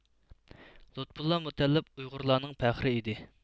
لۇتپۇللا مۇتەللىپ ئۇيغۇرلارنىڭ پەخرى ئىدى